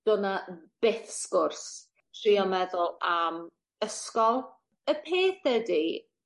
do'dd 'na byth sgwrs trio meddwl am ysgol. Y peth ydi